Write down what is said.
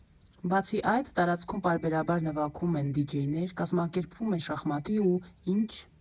Բացի այդ, տարածքում պարբերաբար նվագում են դիջեյներ, կազմակերպվում են շախմատի ու «Ի՞նչ։